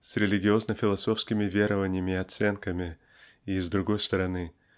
с религиозно-философскими верованиями и оценками и с другой стороны